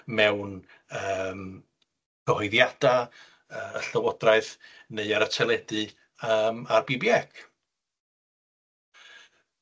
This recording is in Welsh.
mewn yym cyhoeddiada yy y llywodraeth neu ar y teledu, yym a'r Bi Bi Ec.